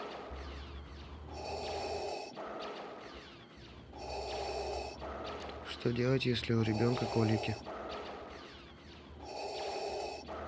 что делать если у ребенка колики